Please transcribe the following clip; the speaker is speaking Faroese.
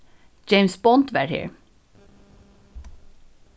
james bond var her